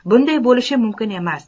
bunday bo'lishi mumkin emas